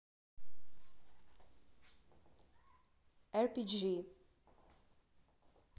rpg